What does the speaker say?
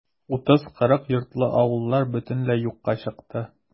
30-40 йортлы авыллар бөтенләй юкка чыкты.